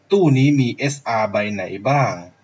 ตู้นี้มีเอสอาใบไหนบ้าง